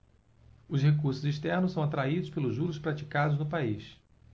os recursos externos são atraídos pelos juros praticados no país